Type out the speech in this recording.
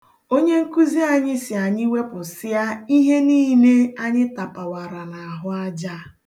Onyenkuzi anyị sị anyị wepụsịa ihe niile anyị tapawara n'ahụ aja.